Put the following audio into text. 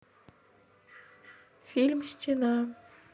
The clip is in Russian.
фильм стена